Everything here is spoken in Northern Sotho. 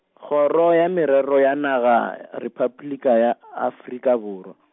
Kgoro ya Merero ya Naga Repabliki ya Afrika Borwa.